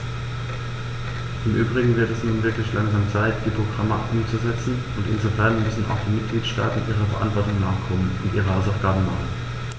Im übrigen wird es nun wirklich langsam Zeit, die Programme umzusetzen, und insofern müssen auch die Mitgliedstaaten ihrer Verantwortung nachkommen und ihre Hausaufgaben machen.